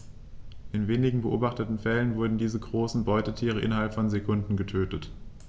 In den wenigen beobachteten Fällen wurden diese großen Beutetiere innerhalb von Sekunden getötet.